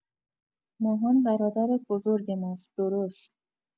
ماهان برادر بزرگ ماست درست!